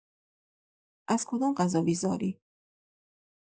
از کدوم غذا بیزاری؟